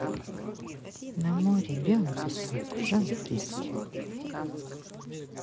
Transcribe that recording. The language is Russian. на море белый песок жанна фриске